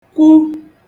kwu